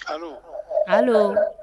Alo.